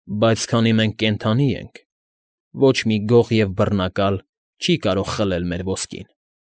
Բայց քանի մենք կենդանի ենք, ոչ մի գող և բռնակալ չի կարող խլել մեր ոսկին։